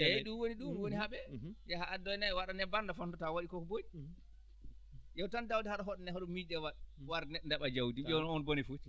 eeyi ɗum woni ɗum ɗum woni haɓee yaha addane waɗanee bannda fonda tawa o waɗi ko ko boni ƴeew tan dawde haɗa hoɗanee hoɗum miije waat war neɗɗo naɓaa jawdi mum jooni oon bone fuu